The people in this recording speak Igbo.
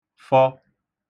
fọ